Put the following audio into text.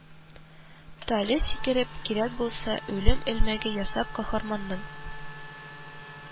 Тале сикереп, кирәк булса «үлем элмәге» ясап, каһарманның